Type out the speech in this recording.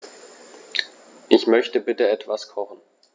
Ich möchte bitte etwas kochen.